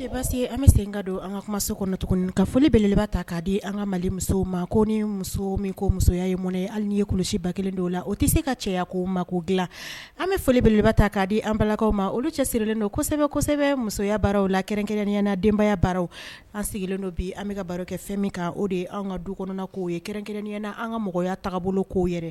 An bɛ se ka don an ka kuma se kɔnɔ tugun ka foli beleba ta k kaa di an ka mali muso ma ko ni muso min ko musoya in mɔnɛ hali ye kuluba kelen dɔw la o tɛ se ka caya ko ma ko dilan an bɛ foliele ta ka di an balakaw ma olu cɛ sirilen don kosɛbɛ kosɛbɛ musoya bararaw la kɛrɛn-ana denbaya baararaw an sigilen don bi an bɛka ka baro kɛ fɛn min ka o de an ka du kɔnɔna k'o ye kɛrɛn- ɲɛna an ka mɔgɔya taabolo bolo k'w yɛrɛ